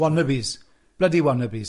Wannabes, bloody wannabes.